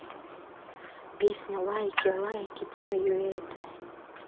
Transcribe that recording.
песня лайки лайки твою это